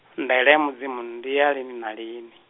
ndaela ya Mudzimu ndi ya lini na lini.